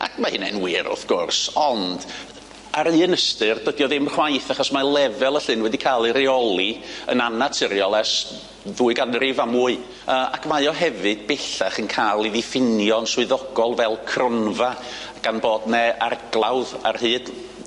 Ac ma' hynna'n wir wrth gwrs ond ar un ystyr dydi o ddim chwaith achos mae lefel y llyn wedi ca'l ei reoli yn annaturiol ers ddwy ganrif a mwy yy ac mae o hefyd bellach yn ca'l 'i ddiffinio'n swyddogol fel cronfa gan bod 'ne arglawdd ar hyd